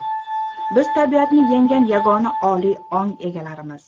biz tabiatni yenggan yagona oliy ong egalarimiz